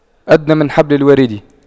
أدنى من حبل الوريد